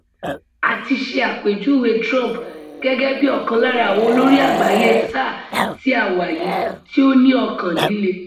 A ti ṣe àpèjúwe Trump gẹ́gẹ́ bí “ọ̀kan lára àwọn olórí àgbáyé sáà tí a wà yìí tí ó ní ọkàn líle.”